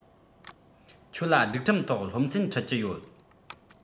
ཁྱོད ལ སྒྲིག ཁྲིམས ཐོག སློབ ཚན ཁྲིད ཀྱི ཡོད